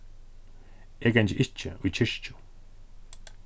eg gangi ikki í kirkju